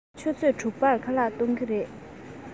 ཕྱི དྲོ ཆུ ཚོད དྲུག པར ཁ ལག གཏོང གི རེད